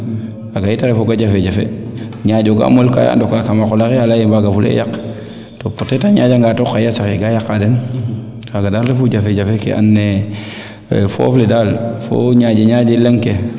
ande a refoga jafe jafe ñanjo gu a mol kaayo a ndoka kama qola xe a leya ye mbaaga fule yaq to a ñaƴa nga tooq xa yasa xe kaa yaqa den kaaga daal refu jafe jafe ke ando naye foof le daal fo ñaaƴe ñaaƴe leŋ ke